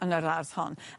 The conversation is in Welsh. yn yr ardd hon